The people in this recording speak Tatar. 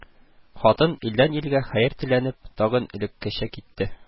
Хатын, илдән-илгә хәер теләнеп, тагын элеккечә китте